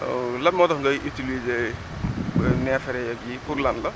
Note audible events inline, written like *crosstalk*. *hesitation* lan moo tax ngay utilisé *noise* neefere yeeg yii pour lan la